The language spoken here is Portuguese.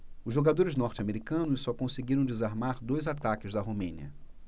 os jogadores norte-americanos só conseguiram desarmar dois ataques da romênia